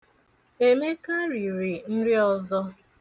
Emeka riri nri ọzọ.